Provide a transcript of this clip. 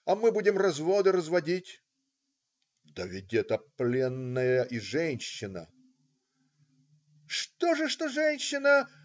А мы будем разводы разводить!" - "Да ведь это пленная и женщина!" - "Что же, что женщина?!